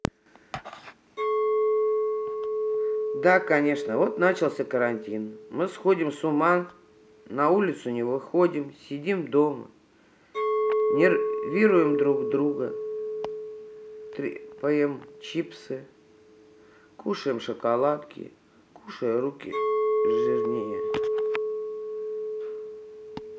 да конечно вот начался карантин мы сходим с ума на улицу не выходим сидим дома нервируют другу трепаем чипсы кушаем шоколадки кушай руки жирнее